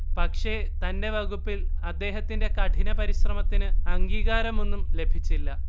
പക്ഷെ തന്റെ വകുപ്പിൽ അദ്ദേഹത്തിന്റെ കഠിനപരിശ്രമത്തിന് അംഗീകാരമൊന്നും ലഭിച്ചില്ല